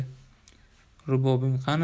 rubobing qani